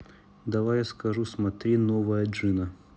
давай я скажу смотри новая джина